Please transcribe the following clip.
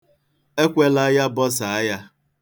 Ekwela ya bọsaa ya.